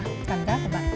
cảm giác của bạn